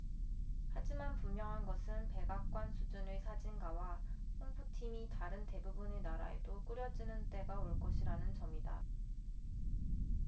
하지만 분명한 것은 백악관 수준의 사진가와 홍보팀이 다른 대부분의 나라에도 꾸려지는 때가 올 것이라는 점이다